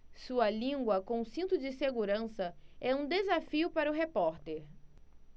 sua língua com cinto de segurança é um desafio para o repórter